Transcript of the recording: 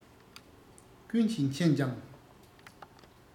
ཀུན གྱིས མཁྱེན ཀྱང